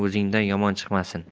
o'zingdan yomon chiqmasin